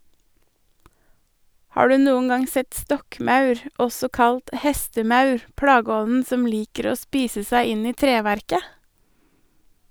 Har du noen gang sett stokkmaur, også kalt hestemaur, plageånden som liker å spise seg inn i treverket?